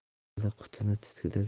vali qutini titkilab